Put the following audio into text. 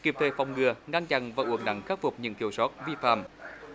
kịp thời phòng ngừa ngăn chặn và uống đắng khắc phục những thiếu sót vi phạm